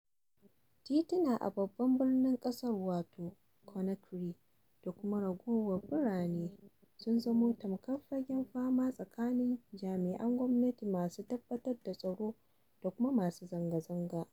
Titina a babban birnin ƙasar wato Conakry da kuma ragowar birane sun zama tamkar fagen fama tsakanin jami'an gwamnati masu tabbatar da tsaro da kuma masu zanga-zanga.